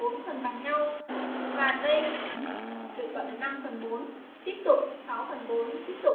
bốn phần bằng nhau được gọi là tiếp tục tiếp